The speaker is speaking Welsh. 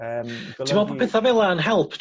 yym golygu... Ti me'wl bo' petha fel 'a yn help...